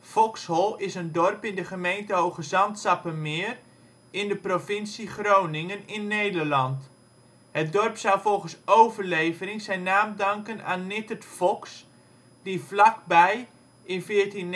Foxhol is een dorp in de gemeente Hoogezand-Sappemeer in de provincie Groningen in Nederland. Het dorp zou volgens overlevering zijn naam danken aan Nittert Fox, die vlakbij in